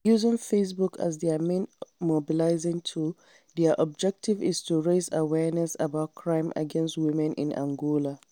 Using Facebook as their main mobilizing tool, their objective is to raise awareness about crimes against women in Angola: